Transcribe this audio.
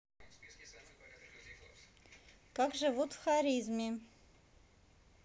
как живут в харизме